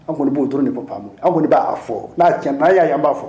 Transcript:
An kɔni b'o dɔrɔn de ko an kɔni b'a fɔ n'a tiɲɛ n'a'a y yan b'a fɔ